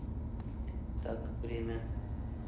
так время